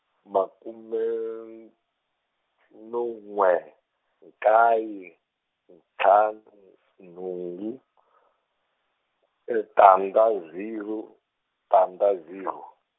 makume no n'we nkaye ntlhanu nhungu , e tandza zero tandza zero.